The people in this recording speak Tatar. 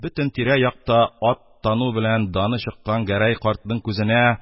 Бөтен тирә-якта ат тану берлән даны чыккан Гәрәй картның күзенә